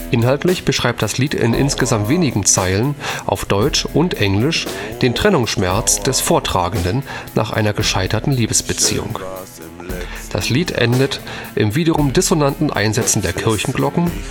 Inhaltlich beschreibt das Lied in insgesamt wenigen Zeilen auf deutsch und englisch den Trennungsschmerz des Vortragenden nach einer gescheiterten Liebesbeziehung. Das Lied endet im wiederum dissonanten Einsetzen der Kirchenglocken